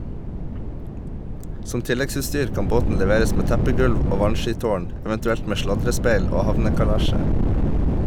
Som tilleggsutstyr kan båten leveres med teppegulv og vannskitårn, eventuelt med sladrespeil og havnekalesje.